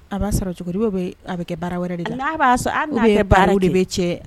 A b'a sɔrɔ cogo bɛ a bɛ kɛ bara wɛrɛ de a b'a baaraw de bɛ cɛ